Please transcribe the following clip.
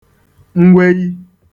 mweyi